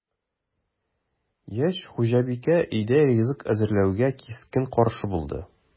Яшь хуҗабикә өйдә ризык әзерләүгә кискен каршы булды: